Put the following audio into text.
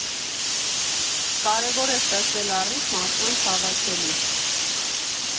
Կարևոր է ստեղծել առիթ մարդկանց հավաքելու։